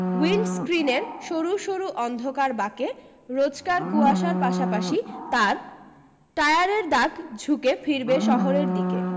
উইন্ডস্ক্রীনের সরু সরু অন্ধকার বাঁকে রোজকার কুয়াশার পাশাপাশি তার টায়ারের দাগ ঝুঁকে ফিরবে শহরের দিকে